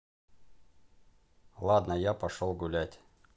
ладно я пошел гулять